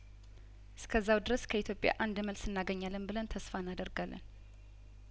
እስከዛው ድረስ ከኢትዮጵያ አንድ መልስ እናገኛለን ብለን ተስፋ እናደርጋለን